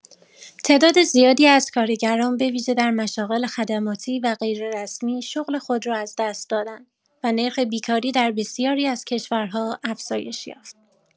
تعداد زیادی از کارگران به‌ویژه در مشاغل خدماتی و غیررسمی شغل خود را از دست دادند و نرخ بیکاری در بسیاری از کشورها افزایش یافت.